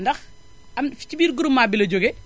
ndax am na ci biir groupement bi la jógee